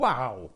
Waw!